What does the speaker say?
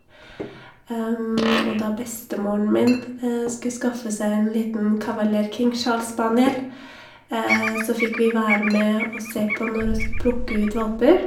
Og da bestemoren min skulle skaffe seg en liten Cavalier King Charles Spaniel så fikk vi være med å se på når hun skulle plukke ut valper.